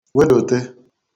wedòte